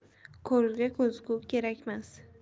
ko'rga ko'zgu kerakmas